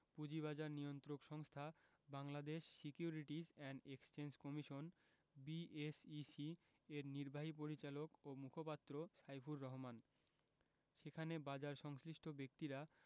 পুঁজিবাজার নিয়ন্ত্রক সংস্থা Bangladesh securities and exchange commission BSEC এর নির্বাহী পরিচালক ও মুখপাত্র সাইফুর রহমান সেখানে বাজারসংশ্লিষ্ট ব্যক্তিরা